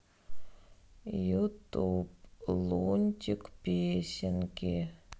ютуб лунтик песенки